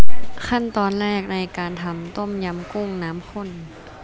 ขั้นตอนแรกในการทำต้มยำกุ้งน้ำข้น